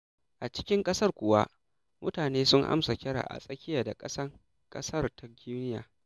A cikin ƙasar kuwa, mutane sun amsa kira a tsakiya da ƙasan ƙasar ta Guinea.